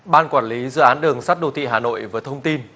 ban quản lý dự án đường sắt đô thị hà nội vừa thông tin